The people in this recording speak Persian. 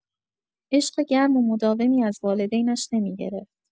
عشق گرم و مداومی از والدینش نمی‌گرفت.